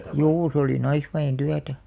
juu se oli naisväen työtä